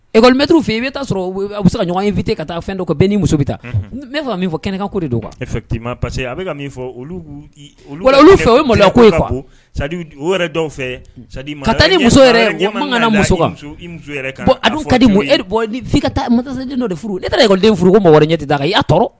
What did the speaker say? Emɛ ttu fɛ yen i bɛ taa sɔrɔ bɛ se ka ɲɔgɔn ka taa fɛn ni muso bɛ taa fa min fɔ kɛnɛkako fɛ o mɔ ko muso muso di masa furuden furu ko mɔgɔ wɛrɛ ɲɛ tɛ da i'